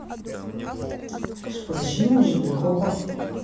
спроси у землекопа